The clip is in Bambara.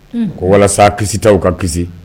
Ko walasa kisi' ka kisi